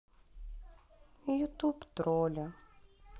ютуб тролли